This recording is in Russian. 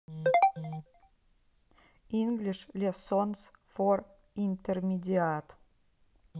инглиш лессонс фор интермидиат